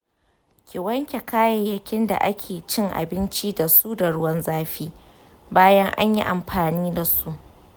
ki wanke kayayyakin da ake cin abinci dasu da ruwan zafi bayan anyi amfani dasu.